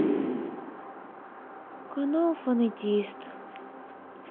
канал фонетист